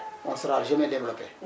on sera jamais développé